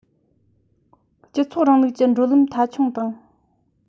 སྤྱི ཚོགས རིང ལུགས ཀྱི འགྲོ ལམ མཐའ འཁྱོངས དང